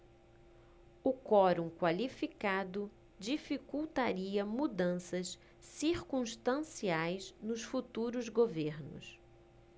o quorum qualificado dificultaria mudanças circunstanciais nos futuros governos